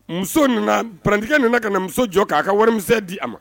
Muso nana pajɛkɛ nana ka na muso jɔ k'a ka wari mi di a ma